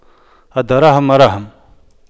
الدراهم مراهم